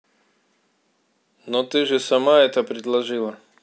ну ты же сама это предложила